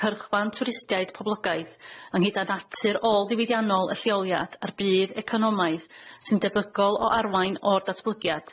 cyrchfan twristiaid poblogaidd yng nghyd a natur ôl ddiwydiannol y lleoliad a'r bydd economaidd sy'n debygol o arwain o'r datblygiad.